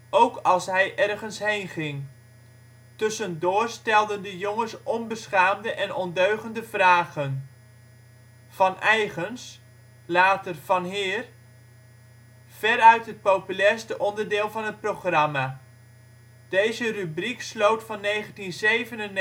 ook als hij ergens heen ging. Tussendoor stelden de jongens onbeschaamde en ondeugende vragen. Vaneigens (later Vanheir): Veruit het populairste onderdeel van het programma. Deze rubriek sloot van 1997 tot 2000 het